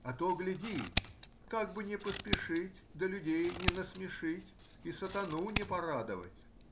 а то, гляди, как бы не поспешить, да людей не насмешить и сатану не порадовать.